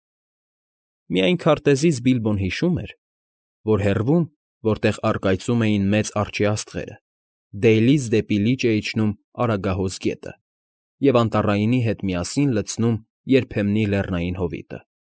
Միայն քարտեզից Բիլբոն հիշում էր, որ հեռվում, որտեղ առկայծում են Մեծ Արջի աստղերը, Դեյլից դեպի լիճ է իջնում Արագահոս գետը և Անտառայինի հետ միասին լցնում երբեմնի լեռնային հովիտը։